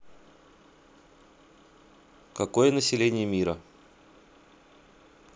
какое население мира